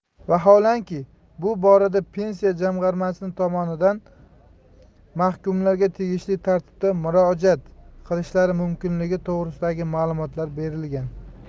vaholanki bu borada pensiya jamg'armasi tomonidan mahkumlarga tegishli tartibda murojaat qilishlari mumkinligi to'g'risida ma'lumotlar berilgan